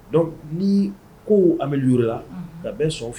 Dɔnku ni ko an bɛ la ka bɛ sɔn fɛ